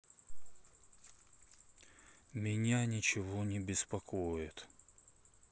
меня ничего не беспокоит